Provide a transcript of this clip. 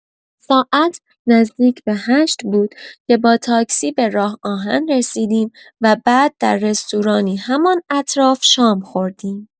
ساعت نزدیک به هشت بود که با تاکسی به راه‌آهن رسیدیم و بعد در رستورانی همان اطراف شام خوردیم.